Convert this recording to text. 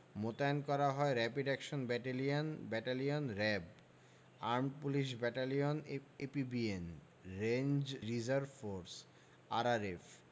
মোতায়েন করা হয় rapid action battalion RAB armed police battalion APBN range reserve force RRF